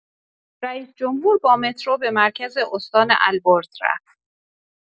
رئیس‌جمهور با مترو به مرکز استان البرز رفت.